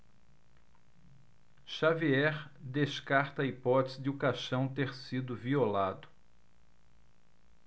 xavier descarta a hipótese de o caixão ter sido violado